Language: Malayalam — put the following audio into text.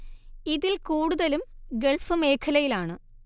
ഇതില്‍ കൂടുതലും ഗള്‍ഫ് മേഖലയില്‍ ആണ്‌